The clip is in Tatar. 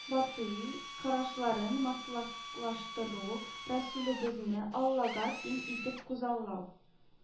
Батыйль карашларын мотлаклаштыру, рәсүлебезне аллага тиң итеп күзаллау